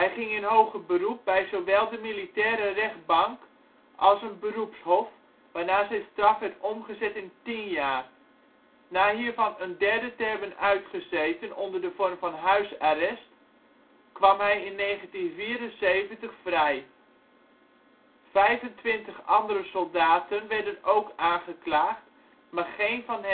ging in hoger beroep bij zowel de militaire rechtbank als een beroepshof, waarna zijn straf werd omgezet in tien jaar. Na hiervan een derde te hebben uitgezeten onder de vorm van huisarrest kwam hij in 1974 vrij. Vijfentwintig andere soldaten werden ook aangeklaagd, maar geen van